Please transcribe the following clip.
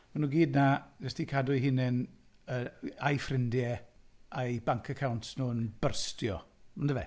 Mae nhw i gyd yna jyst i cadw eu hunain, yy a'u ffrindiau a'i bank accounts nhw'n byrstio. Ondife?